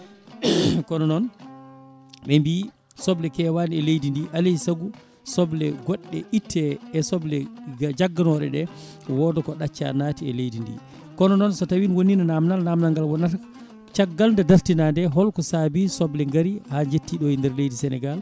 kono noon ɓe mbi soble keewani e leydi ndi alay saago soble goɗɗe itte e soble jagganoɗe ɗe wooda ko ɗacca naati e leydi ndi kono noon so tawi wonino namdal namdal wonata caggal nde dartina nde holko saabi soble gaari ha jetti ɗo e nder leydi Sénégal